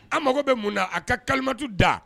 An mago bɛ mun na a ka kalimatu da